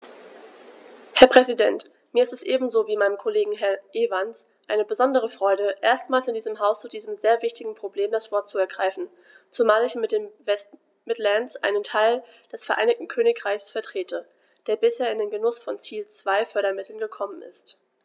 Herr Präsident, mir ist es ebenso wie meinem Kollegen Herrn Evans eine besondere Freude, erstmals in diesem Haus zu diesem sehr wichtigen Problem das Wort zu ergreifen, zumal ich mit den West Midlands einen Teil des Vereinigten Königreichs vertrete, der bisher in den Genuß von Ziel-2-Fördermitteln gekommen ist.